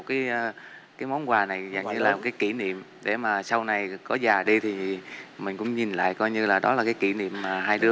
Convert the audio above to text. cái món quà này dành làm kỷ niệm để mà sau này có già đi thì mình cũng nhìn lại coi như là đó là kỷ niệm mà hai đứa